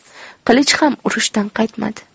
qilichi ham urushdan qaytmadi